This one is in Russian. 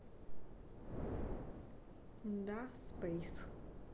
да space